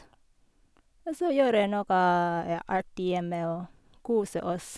Og så gjøre nokka, ja, artig hjemme, og kose oss.